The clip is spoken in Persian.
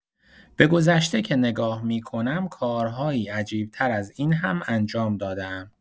به گذشته که نگاه می‌کنم کارهایی عجیب‌تر از این هم انجام داده‌ام.